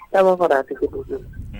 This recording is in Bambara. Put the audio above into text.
Aw fɔ tigi